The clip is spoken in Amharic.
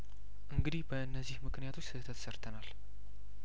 እንግዲህ በእነዚህ ምክንያቶች ስህተት ሰርተናል